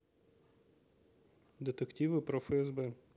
детективы про фсб